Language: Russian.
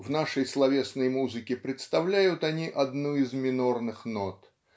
в нашей словесной музыке представляют они одну из минорных нот.